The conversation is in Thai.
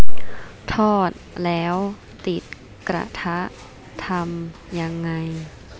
ทอดแล้วติดกระทะทำยังไง